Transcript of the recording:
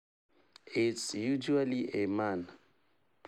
It’s usually a man.